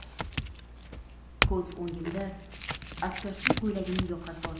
ko'z o'ngimda askarcha ko'ylagining yoqasi ochiq